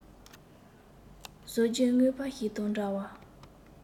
བཟོས རྗེས རྔོན པ ཞིག དང འདྲ བར